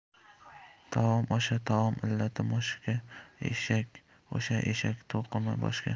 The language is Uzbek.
taom o'sha taom illati moshga eshak o'sha eshak to'qimi boshqa